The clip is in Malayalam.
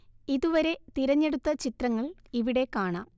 ഇതുവരെ തിരഞ്ഞെടുത്ത ചിത്രങ്ങൾ ഇവിടെ കാണാം